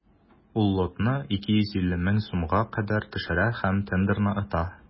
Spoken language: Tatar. Ул лотны 250 мең сумга кадәр төшерә һәм тендерны ота.